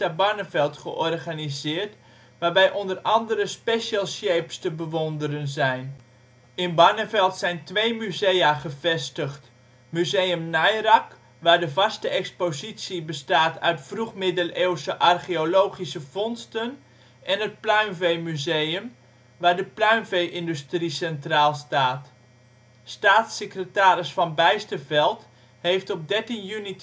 Barneveld georganiseerd, waarbij o.a. ' special-shapes ' te bewonderen zijn. In Barneveld zijn twee musea gevestigd; Museum Nairac, waar de vaste expositie bestaat uit vroeg-middeleeuwse archeologische vondsten en het Pluimveemuseum, waar de pluimvee-industrie centraal staat. Staatssecretaris Van Bijsterveldt heeft op 13 juni